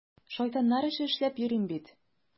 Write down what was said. Шайтаннар эше эшләп йөрим бит!